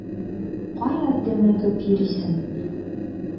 Кая дөмегеп йөрисең?